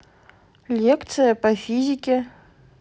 лекция по физике